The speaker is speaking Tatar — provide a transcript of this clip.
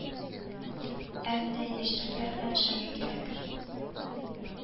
Ә менә яшьрекләр белән эшләргә кирәк